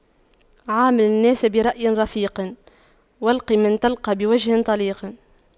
عامل الناس برأي رفيق والق من تلقى بوجه طليق